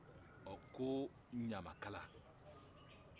o ko ɲamakala